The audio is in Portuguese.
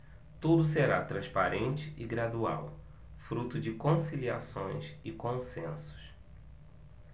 tudo será transparente e gradual fruto de conciliações e consensos